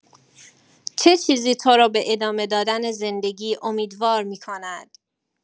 چه چیزی تو را به ادامه دادن زندگی امیدوار می‌کند؟